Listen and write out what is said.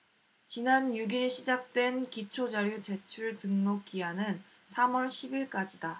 지난 육 일 시작된 기초자료 제출 등록 기한은 삼 월 십 일까지다